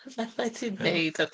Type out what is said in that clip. Y hethau ti'n wneud... ie. ...ar...